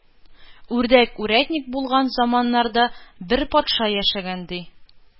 Үрдәк үрәтник булган заманнарда бер патша яшәгән, ди.